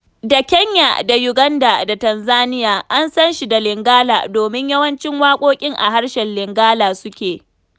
A Kenya da Uganda da Tanzania an san shi da Lingala domin yawancin waƙoƙin a harshen Lingala suke.